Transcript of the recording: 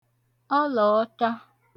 ọlọ̀ọtcha